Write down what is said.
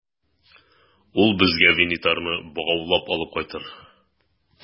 Ул безгә Винитарны богаулап алып кайтыр.